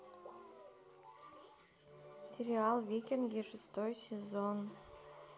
сериал викинги шестой сезон